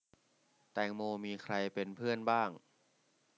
แตงโมมีใครเป็นเพื่อนบ้าง